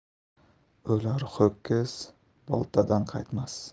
o'lar ho'kiz boltadan qaytmas